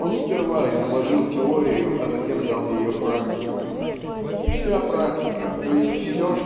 Он сперва изложил теорию, а затем дал ее практику. Вся практика, т. е. все